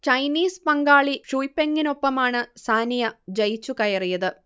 Chinese പങ്കാളി Shuai പെങ്ങിനൊപ്പമാണ് സാനിയ ജയിച്ചുകയറിയത്